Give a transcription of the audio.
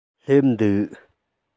སླེབས འདུག